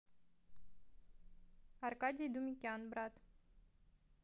аркадий думикян брат